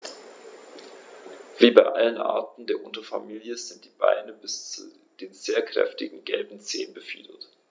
Wie bei allen Arten der Unterfamilie sind die Beine bis zu den sehr kräftigen gelben Zehen befiedert.